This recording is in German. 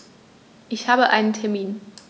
Ich habe einen Termin.